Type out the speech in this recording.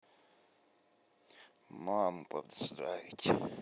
маму поздравить